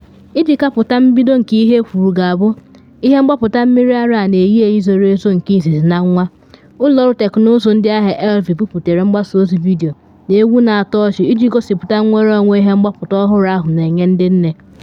Iji kapụta mbido nke ihe ekwuru ga-abụ “ihe mgbapụta mmiri ara a na eyi eyi zoro ezo nke izizi n’ụwa,” ụlọ ọrụ teknụzụ ndi ahia Elvie buputere mgbasa ozi vidiyo na egwu na atọ ọchi iji gosipụta nnwere onwe ihe mgbapụta ọhụrụ ahụ na enye ndi nne.